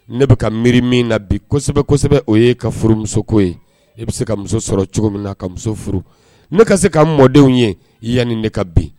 Ne bɛ ka mi min na bi kosɛbɛsɛbɛ o ye ka furumuso ko ye e bɛ se ka muso sɔrɔ cogo min na ka muso furu ne ka se ka mɔdenw ye i yanni de ka bin